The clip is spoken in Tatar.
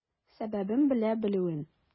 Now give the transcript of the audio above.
Сәбәбен белә белүен.